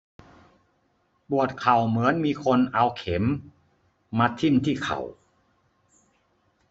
ปวดเข่าเหมือนมีคนเอาเข็มมาทิ่มที่เข่า